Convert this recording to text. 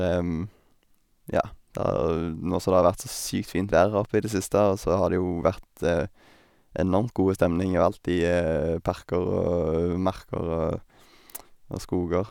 Ja, nå som det har vært så sykt fint vær her oppe i det siste, og så har det jo vært enormt god stemning overalt i parker og marker og og skoger.